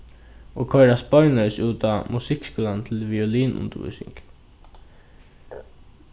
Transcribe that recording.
og koyrast beinleiðis út á musikkskúlan til violinundirvísing